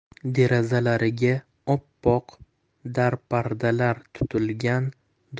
derazalariga oppoq darpardalar tutilgan